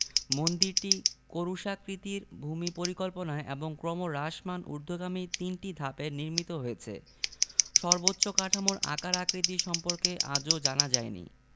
মন্দিরটি ক্রুশাকৃতির ভূমি পরিকল্পনায় এবং ক্রমহ্রাসমান ঊর্ধ্বগামী তিনটি ধাপে নির্মিত হয়েছে সর্বোচ্চ কাঠামোর আকার আকৃতি সম্পর্কে আজও জানা যায় নি